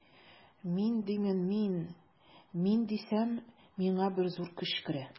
Мин димен мин, мин дисәм, миңа бер зур көч керә.